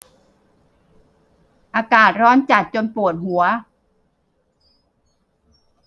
อากาศร้อนจัดจนปวดหัว